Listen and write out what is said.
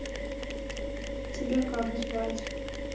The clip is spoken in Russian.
тебя как звать